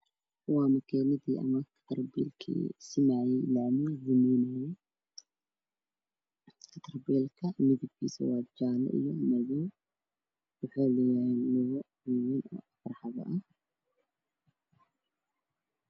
Waxaa ii muuqda baabuur u eega cagaf cagaf midabkiisuna waa jaalo geesahana waxaa kaga dhigaan nalal